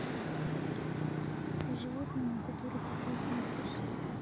животные у которых опасный укус